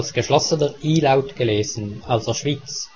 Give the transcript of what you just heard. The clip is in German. geschlossener i-Laut gelesen, also Schwiz